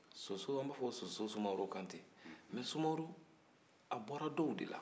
soso an b'a fɔ soso sumaworo kantɛ nka sumaworo a bɔra dɔw de la